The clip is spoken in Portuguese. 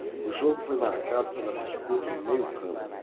o jogo foi marcado pela disputa no meio campo